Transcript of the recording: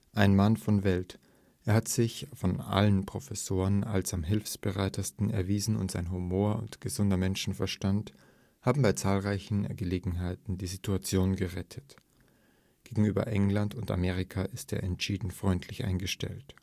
Ein Mann von Welt. Er hat sich von allen Professoren als am hilfsbereitesten erwiesen, und sein Humor und gesunder Menschenverstand haben bei zahlreichen Gelegenheiten die Situation gerettet. Gegenüber England und Amerika ist er entschieden freundlich eingestellt